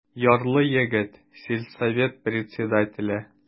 Ярлы егет, сельсовет председателе.